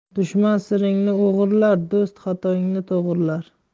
dushman siringni o'g'irlar do'st xatongni to'g'rilar